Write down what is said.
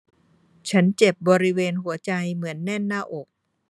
ฉันเจ็บบริเวณหัวใจเหมือนแน่นหน้าอก